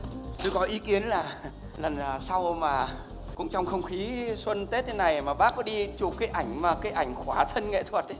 tôi có ý kiến là lần sau mà cũng trong không khí xuân tết thế này mà bác có đi chụp cái ảnh mà cái ảnh khỏa thân nghệ thuật ý